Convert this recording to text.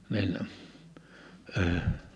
niin -